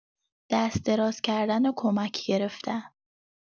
دست دراز کردن و کمک گرفتن